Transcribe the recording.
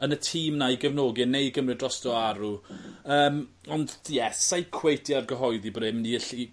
yn y tîm 'na i gefnogi e neu i gymryd drosto Au yym ond ie sai cweit 'di argyhoeddi bod e mynd i allu